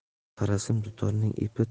qarasam dutorning ip